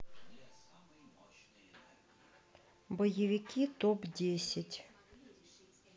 боевики топ десять